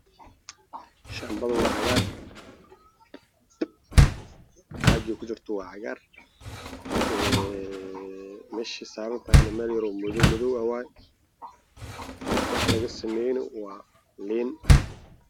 Waxaa ii muuqda caadad waxaa ku jira saliid caadada midabkeedu waa cagaar baan caagadheer